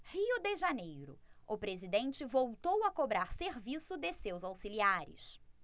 rio de janeiro o presidente voltou a cobrar serviço de seus auxiliares